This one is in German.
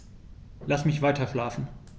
Lass mich weiterschlafen.